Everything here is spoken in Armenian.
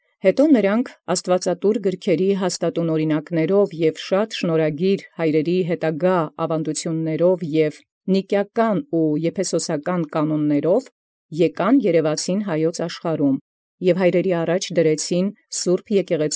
Որոց յետ այնորիկ հաստատուն աւրինակաւք աստուածատուր գրոցն և բազում շնորհագիր հարց յետ այնր աւանդութեամբք, և Նիկիական և Եփեսոսական կանոնաւք, գային երևելով աշխարհին Հայոց, և առաջի դնէին հարցն զբերեալ։